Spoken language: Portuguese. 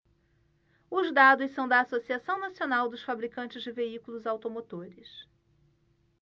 os dados são da anfavea associação nacional dos fabricantes de veículos automotores